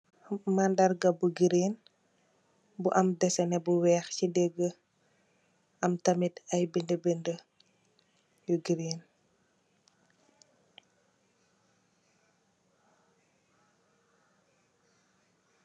Mandarga bu girini bu am desine bu weex ci diggi, am tamit ay binda binda yu girini.